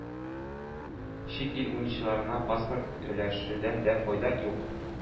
Чит ил уенчыларына паспорт өләшүдән дә файда юк.